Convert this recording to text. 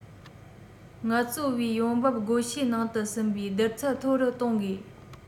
ངལ རྩོལ པའི ཡོང འབབ བགོ བཤའི ནང དུ ཟིན པའི བསྡུར ཚད མཐོ རུ གཏོང དགོས